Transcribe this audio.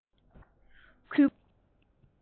གུས བཀུར དང སློབ སྦྱོང